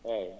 eeyi